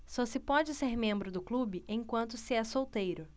só se pode ser membro do clube enquanto se é solteiro